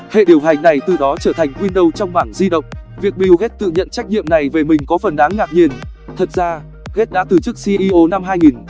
hệ điều hành này từ đó trở thành windows trong mảng di động việc bill gates tự nhận trách nhiệm này về mình có phần đáng ngạc nhiên thật ra gates đã từ chức ceo năm